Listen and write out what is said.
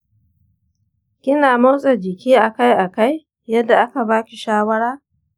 kina motsa jiki akai akai yadda aka baki shawara?